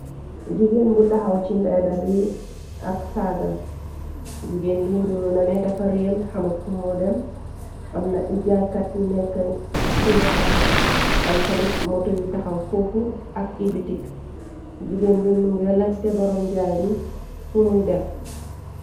jigeen bu taxaw ci mbeedabi ak saagam jigeen bi nduru nane dafa reel xamur fu moo dem amna ijjaaykat ñi nekk ci wetam am tamit moto yu taxaw foofu ak ibitik jigeen bi munge lajte boroom jaay bi fu muy dem